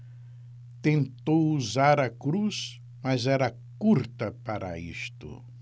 tentou usar a cruz mas era curta para isto